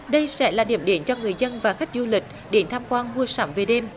đây sẽ là điểm đến cho người dân và khách du lịch đến tham quan mua sắm về đêm